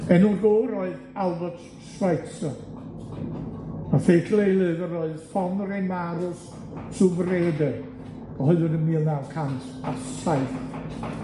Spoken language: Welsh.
Enw'r gŵr oedd Albert Schweitzer a theitl ei lyfr oedd Fonremarus Superaede, cyhoeddwyd yn mil naw cant a saith,